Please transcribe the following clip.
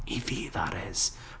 I fi that is.